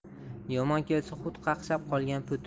yomon kelsa hut qaqshab qolgan put